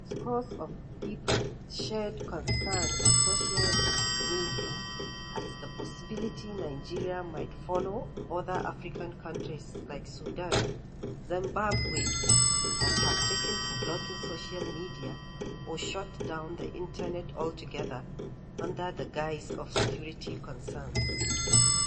Scores of people shared concerns on social media at the possibility Nigeria might follow other African countries [like Sudan, Zimbabwe] that have taken to blocking social media or shut down the internet altogether under the guise of security concerns.